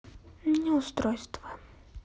неустройство